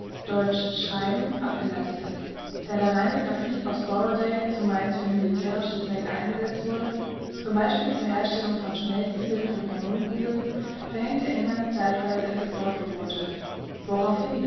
deutsch: schreiben) abgeleitet ist. Da der reine Graphit aus Borrowdale zumeist für militärische Zwecke eingesetzt wurde, zum Beispiel zur Herstellung von Schmelztiegeln für Kanonenkugeln, verhängte England zeitweise Exportverbote, woraufhin